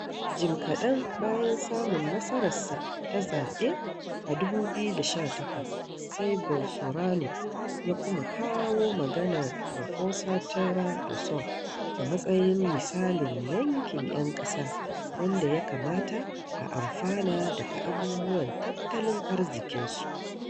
Jim kaɗan bayan samun nasararsa ta zaɓe a 2018, sai Bolsorano ya kuma kawo maganar Raposa Terra do Sol a matsayin misalin yankin 'yan ƙasa wanda ya kamata a amfana daga abubuwan tattalin arziƙinsu.